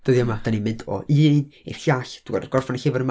dyddiau yma. Dan ni'n mynd o un i'r llall, dwi'n gorfod gorffen y llyfr yma...